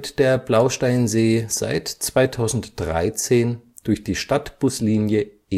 der Blausteinsee seit 2013 durch die Stadtbuslinie